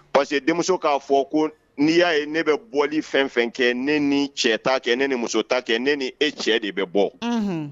Parce que denmuso k'a fɔ ko n'i y'a ye ne bɛ bɔli fɛn o fɛn kɛ , ne ni cɛ t'a kɛ, ne ni muso ta' kɛ ne ni e cɛ de bɛ bɔ.